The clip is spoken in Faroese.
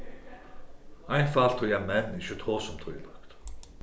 einfalt tí at menn ikki tosa um tílíkt